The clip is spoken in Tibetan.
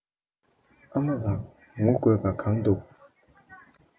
ཨ མ ལགས ངུ དགོས པ གང འདུག